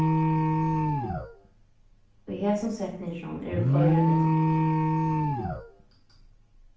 í hesum setninginum eru fleiri villur